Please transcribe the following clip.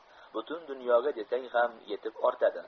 butun dunyoga desang ham yetib ortadi